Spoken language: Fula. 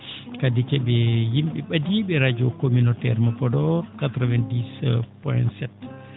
kadi ko ?e yim?e ?adii ?e radio communautaire mo Podor 90 POINT 7